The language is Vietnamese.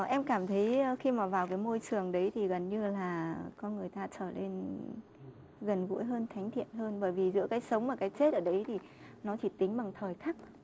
em cảm thấy khi mà vào với môi trường đấy thì gần như là con người ta trở lên gần gũi hơn thánh thiện hơn bởi vì giữa cái sống và cái chết ở đấy thì nó chỉ tính bằng thời khắc